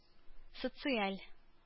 Социаль